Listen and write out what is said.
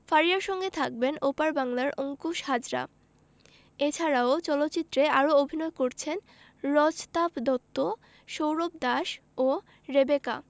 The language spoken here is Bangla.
ফারিয়ার সঙ্গে থাকবেন ওপার বাংলার অংকুশ হাজরা এছাড়াও চলচ্চিত্রে আরও অভিনয় করেছেন রজতাভ দত্ত সৌরভ দাস ও রেবেকা